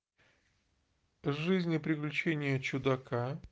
жизнь и приключения чудака